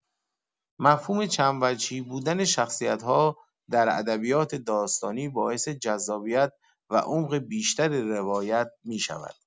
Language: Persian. مفهوم چندوجهی بودن شخصیت‌ها در ادبیات داستانی باعث جذابیت و عمق بیشتر روایت می‌شود.